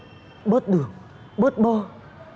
bớt đường bớt bơ